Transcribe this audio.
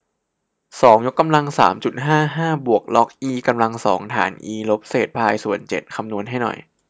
สองยกกำลังสามจุดห้าห้าบวกล็อกอีกำลังสองฐานอีลบเศษพายส่วนเจ็ดคำนวณให้หน่อย